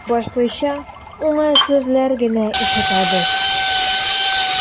Башлыча, уңай сүзләр генә ишетәбез.